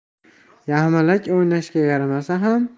yaxmalak o'ynashga yaramasa ham